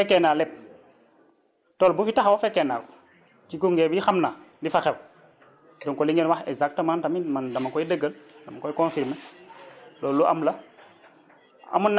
parce que fekkee naa lépp tool bu fi taxaw fekkee naa ko ci gunge bi xam naa li fa xew donc li ngeen wax exactement tamit man dama koy dëggal dama koy confirmer :fraloolu lu am la